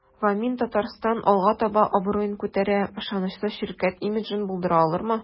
"вамин-татарстан” алга таба абруен күтәрә, ышанычлы ширкәт имиджын булдыра алырмы?